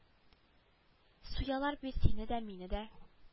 Суялар бит сине дә мине дә